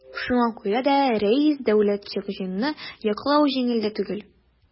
Шуңа күрә дә Рәис Дәүләткуҗинны яклау җиңелдән түгел.